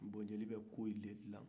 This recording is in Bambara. bon jeli bɛ kow de dilan